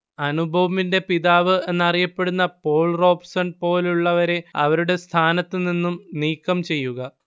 അണുബോംബിന്റെ പിതാവ് എന്നറിയപ്പെടുന്ന Paul Robson പോലുള്ളവരെ അവരുടെ സ്ഥാനത്തു നിന്നും നീക്കം ചെയ്യുക